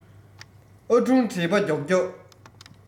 ཨ དྲུང དྲེལ པ མགྱོགས མགྱོགས